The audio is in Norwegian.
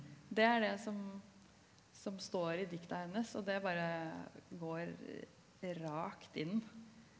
det er det som som står i dikta hennes og det bare går rakt inn.